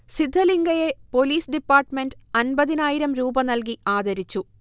സിദ്ധലിങ്കയെ police department അൻപതിനായിരം രൂപ നൽകി ആദരിച്ചു